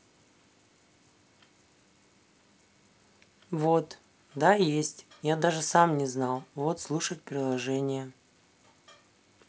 вот да есть я даже сам не знал вот слушать приложение